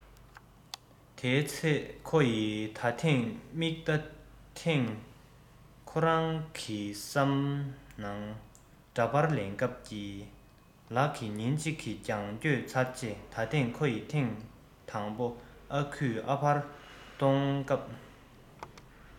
དེའི ཚེ ཁོ ཡི ད ཐེངས དམིགས ད ཐེངས ཁོ རང གི སེམས ནང འདྲ པར ལེན སྐབས ཀྱི ལག གི ཉིན གཅིག གི རྒྱང བསྐྱོད ཚར རྗེས ད ཐེངས ཁོ ཡི ཐེངས དང པོ ཨ ཁུས ཨ ཕར བཏོན སྐབས